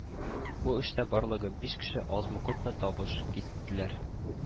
Бу эштә барлыгы биш кеше азмы-күпме табыш иттеләр